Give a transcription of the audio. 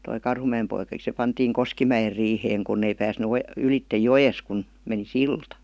tuo Karhumäen poika se pantiin Koskimäen riiheen kun ei päässyt - ylitse joesta kun meni silta